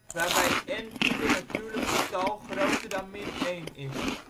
waarbij n ieder natuurlijk getal groter dan -1 is